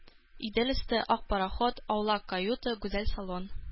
Идел өсте, ак пароход, аулак каюта, гүзәл салон